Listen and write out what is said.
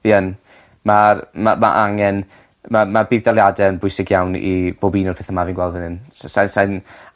Fi yn. Ma'r ma' ma' angen ma' ma' budd daliade yn bwysig iawn i bob un o'r pethe 'ma fi'n gwel' fan 'yn. S- sai sai'n